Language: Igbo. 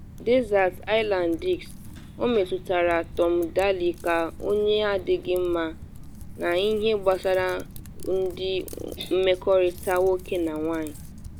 Desert Island Discs: Ọ metụtara Tom Daley ka “onye adịghị mma “ n’ihe gbasara ụdị mmekọrịta nwoke na nwanyị